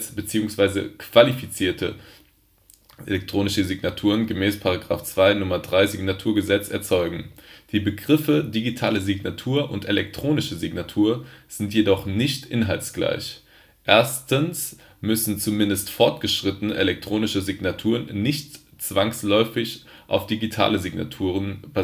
bzw. qualifizierte elektronische Signaturen gem. § 2 Nr. 3 SigG) erzeugen. Die Begriffe digitale Signatur und elektronische Signatur sind jedoch nicht inhaltsgleich: Erstens müssen (zumindest fortgeschrittene) elektronische Signaturen nicht zwangsläufig auf digitalen Signaturen